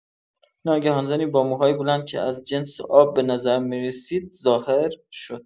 ناگهان زنی با موهای بلند که از جنس آب به نظر می‌رسید، ظاهر شد.